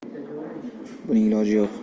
buning iloji yo'q